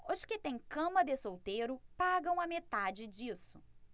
os que têm cama de solteiro pagam a metade disso